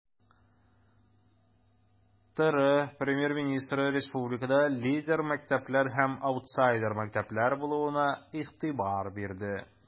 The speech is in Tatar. ТР Премьер-министры республикада лидер мәктәпләр һәм аутсайдер мәктәпләр булуына игътибар бирде.